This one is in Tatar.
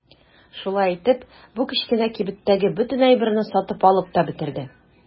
Шулай итеп бу кечкенә кибеттәге бөтен әйберне сатып алып та бетерде.